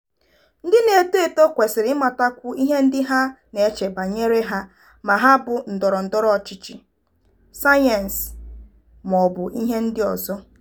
Ndị na-eto eto kwesịrị ịmatakwu ihe ndị ha na-eche banyere ha—ma hà bụ ndọrọ ndọrọ ọchịchị, sayensị, ma ọ bụ ihe ndị ọzọ.